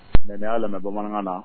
N y'a lamɛn bamanankan na